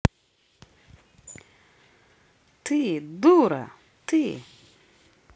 ты дура ты